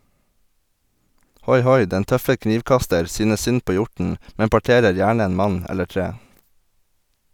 Hoi-hoi, den tøffe knivkaster synes synd på hjorten, men parterer gjerne en mann eller tre.